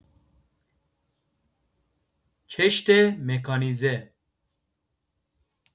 کشت مکانیزه